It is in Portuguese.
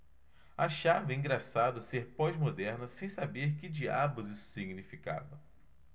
achava engraçado ser pós-moderna sem saber que diabos isso significava